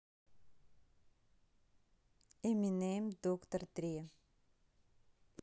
eminem доктор дре